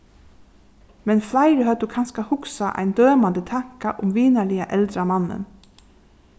men fleiri høvdu kanska hugsað ein dømandi tanka um vinarliga eldra mannin